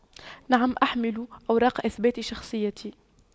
نعم احمل أوراق اثبات شخصيتي